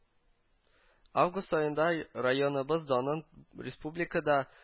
Август аенда районыбыз данын республикада